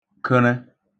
kə̣rẹ